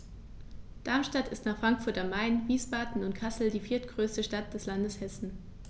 Darmstadt ist nach Frankfurt am Main, Wiesbaden und Kassel die viertgrößte Stadt des Landes Hessen